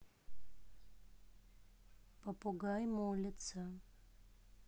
попугай молится